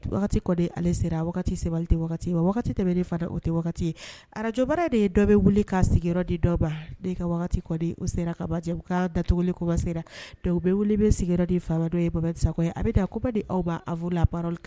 Wagati kɔni ale sera, wagati se bali tɛ wagati ye, wa wagati tɛmɛlen fana o tɛ wagati ye, radio baara de ye dɔ bɛ wuli k'a sigiyɔrɔ di dɔ ma, ne ka wagati kɔni o sera, jɛmukan datuguli tuma sera, donc n bɛ wuli n bɛ sgi yɔrɔ di n fa ma n'o ye Momɛde Sakɔ ye a bɛna kuma di aw ma à vous la parole